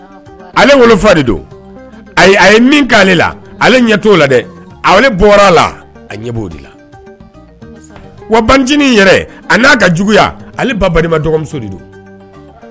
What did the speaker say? Ale wolofa de don ayi a ye min k' ale ale ɲɛ la bɔra la ɲɛ de la wa bancinin yɛrɛ a na ka juguya ale ba balima dɔgɔmuso de don